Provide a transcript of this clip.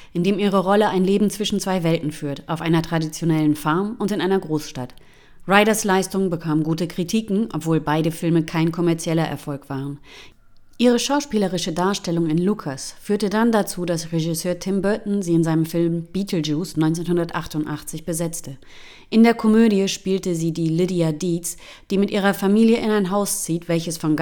in dem ihre Rolle ein Leben zwischen zwei Welten führt, auf einer traditionellen Farm und in einer Großstadt. Ryders Leistung bekam gute Kritiken, obwohl beide Filme kein kommerzieller Erfolg waren. Ihre schauspielerische Darstellung in Lucas führte dann dazu, dass Regisseur Tim Burton sie in seinem Film Beetlejuice (1988) besetzte. In der Komödie spielte sie die Lydia Deetz, die mit ihrer Familie in ein Haus zieht, welches von Geistern